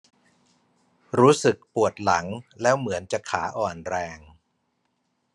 รู้สึกปวดหลังแล้วเหมือนจะขาอ่อนแรง